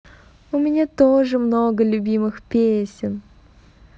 у меня тоже много любимых песен